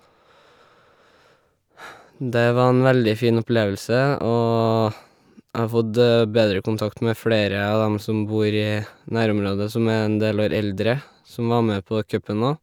Det var en veldig fin opplevelse, og jeg har fått bedre kontakt med flere av dem som bor i nærområdet som er en del år eldre, som var med på cupen òg.